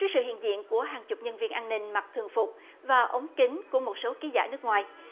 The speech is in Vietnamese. trước sự hiện diện của hàng chục nhân viên an ninh mặc thường phục và ống kính của một số ký giả nước ngoài